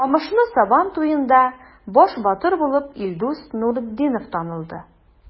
Камышлы Сабан туенда баш батыр булып Илдус Нуретдинов танылды.